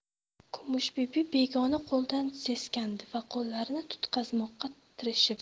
kumushbibi begona qo'ldan seskandi va qo'llarini qutqazmoqqa tirishib